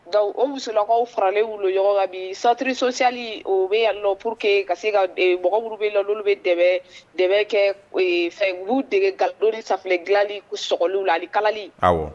Dɔnku olakaw faralen wolo ɲɔgɔn kan bi satirisocli o bɛ nɔ porour que ka seuru bɛ la olu dɛ kɛ fɛ olu dege don sanfɛfi dilanli soli la kalali